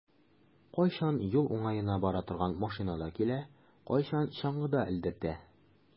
Кайчан юл уңаена бара торган машинада килә, кайчан чаңгыда элдертә.